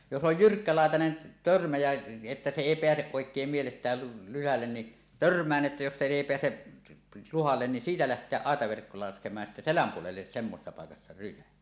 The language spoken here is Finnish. jos on jyrkkälaitainen törmä ja että se ei pääse oikein mielestään luhalle niin törmään että jos se ei pääse luhalle niin siitä lähteä aitaverkko laskemaan ja sitten selän puolelle semmoisessa paikassa rysä